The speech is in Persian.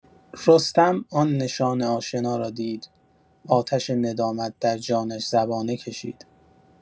رستم، آن نشان آشنا را دید، آتش ندامت در جانش زبانه کشید.